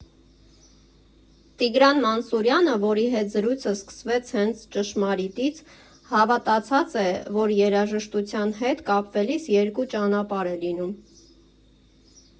Տիգրան Մանսուրյանը, որի հետ զրույցը սկսվեց հենց ճշմարիտից, հավատացած է, որ երաժշտության հետ կապվելիս երկու ճանապարհ է լինում։